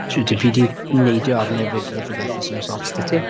Shwt 'y ti? Fi 'di neidio arno 'fyd fath o beth 'fyd, os nag oes ots 'da ti.